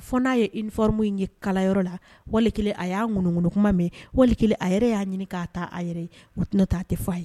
Fo n'a ye ifarmu in kɛ kalayɔrɔ la wali a y'a ŋgolokuma mɛn wali a yɛrɛ y'a ɲini k'a ta a yɛrɛ u tɛnata a tɛ fɔ'a ye